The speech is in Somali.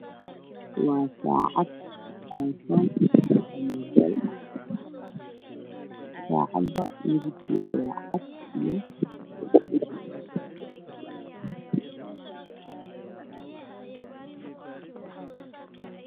Waa saacada ay foon saacada midabkeedu waa cadaan